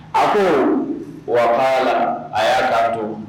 A wa la a y'a kanto don